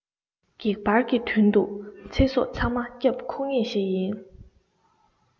བགེག བར གྱི མདུན དུ ཚེ སྲོག ཚང མ སྐྱོབ མཁོ ངེས ཞིག ཡིན